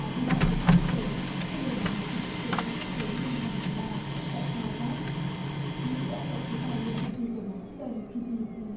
là vi phạm luật pháp quốc tế theo lời một nhà phân tích về quan hệ quốc tế mùng năm tháng ba tại ca ra cát mỹ đã áp đặt chế tài lên công ty dầu mỏ quốc doanh pi đi vi